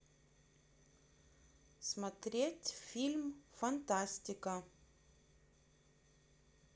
смотреть фильмы фантастика